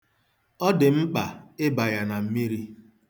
Ọ dị mkpa ịba ya na mmiri.